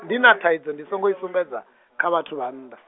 dina thai nditshe songe dza, kavha tsho vhanda.